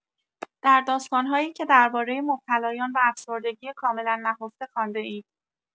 در داستان‌هایی که درباره مبتلایان به افسردگی کاملا نهفته خوانده‌اید.